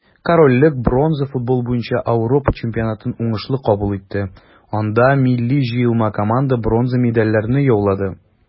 Корольлек бронза футбол буенча Ауропа чемпионатын уңышлы кабул итте, анда милли җыелма команда бронза медальләрне яулады.